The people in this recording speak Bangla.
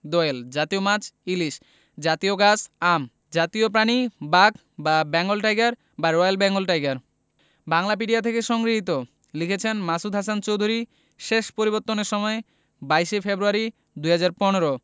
দোয়েল জাতীয় মাছঃ ইলিশ জাতীয় গাছঃ আম জাতীয় প্রাণীঃ বাঘ বা বেঙ্গল টাইগার বা রয়েল বেঙ্গল টাইগার বাংলাপিডিয়া থেকে সংগৃহীত লিখেছেন মাসুদ হাসান চৌধুরী শেষ পরিবর্তনের সময় ২২ ফেব্রুয়ারি ২০১৫